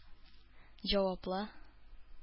Җаваплы